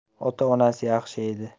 ota onasi yaxshi edi